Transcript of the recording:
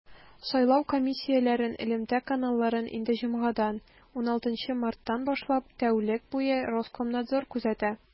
Сайлау комиссияләрен элемтә каналларын инде җомгадан, 16 марттан башлап, тәүлек буе Роскомнадзор күзәтә.